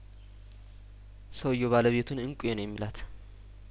ሰውዬው ባለቤቱን እንቋ ነው የሚላት